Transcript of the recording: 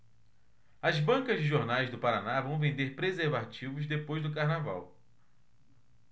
as bancas de jornais do paraná vão vender preservativos depois do carnaval